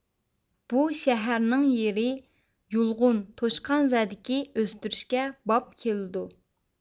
بۇ شەھەرنىڭ يېرى يۇلغۇن توشقانزەدىكى ئۆستۈرۈشكە باب كېلىدۇ